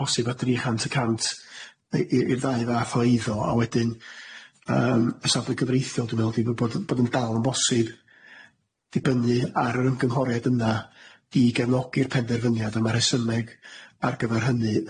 posib a dri chant y cant i i'r ddau fath o eiddo a wedyn yym ysadlu gyfreithiol dwi me'wl di bod bod yn dal yn bosib dibynnu ar yr ymgynghoriad yna i gefnogi'r penderfyniad a ma' rhesymeg ar gyfer hynny